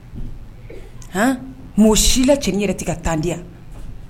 Muso si la cɛnin yɛrɛ tɛ ka tan di yan